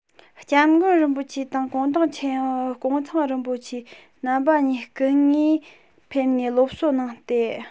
སྐྱབས མགོན རིན པོ ཆེ དང གུང ཐང རིན པོ ཆེ རྣམ པ གཉིས སྐུ དངོས ཕེབས ནས སློབ གསོ གནང སྟེ